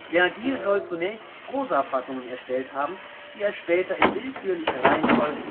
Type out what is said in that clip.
Vergil soll zunächst Prosafassungen erstellt haben, die er später in willkürlicher Reihenfolge